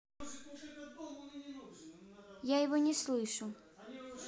я его не слышу